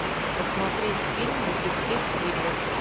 посмотреть фильм детектив триллер